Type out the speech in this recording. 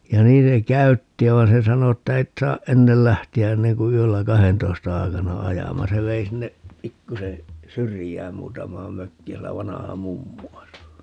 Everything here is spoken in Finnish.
ja niin se käytti ja vaan se sanoi että et saa ennen lähteä ennen kuin yöllä kahdentoista aikana ajamaan se vei sinne pikkuisen syrjään muutamaan mökkiin siellä vanha mummu asui